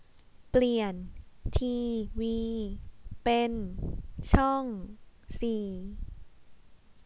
เปลี่ยนทีวีเป็นช่องสี่